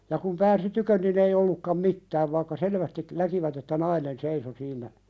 ja kun pääsi tykö niin ei ollutkaan mitään vaikka selvästi näkivät että nainen seisoi siinä